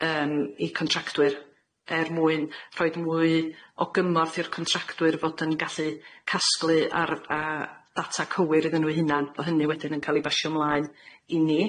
yym i contractwyr er mwyn rhoid mwy o gymorth i'r contractwyr fod yn gallu casglu ar a data cywir iddyn n'w hunan bo' hynny wedyn yn ca'l i basio mlaen i ni.